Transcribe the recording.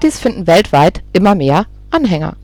finden weltweit immer mehr Anhänger